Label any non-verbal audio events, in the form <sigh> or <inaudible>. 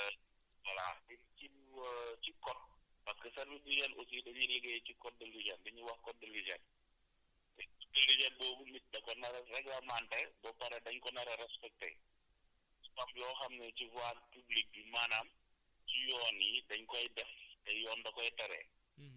<hesitation> voilà cib cib <hesitation> cib code parce que service d' hygène aussi dañuy liggéey ci code de l' hygène di ñu wax code de l' hygène et ci biir l' hygène boobu nit da ko nar a réglementé bapare dañ ko nar a respecté comme yoo xam ne ci voie publique bi maanaam ci yoon yi dañ koy def te yoon da koy tere